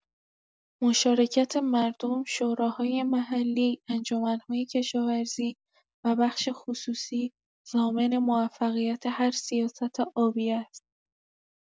مشارکت مردم، شوراهای محلی، انجمن‌های کشاورزی و بخش خصوصی، ضامن موفقیت هر سیاست آبی است.